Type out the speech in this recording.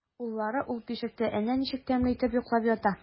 Уллары ул бишектә әнә ничек тәмле итеп йоклап ята!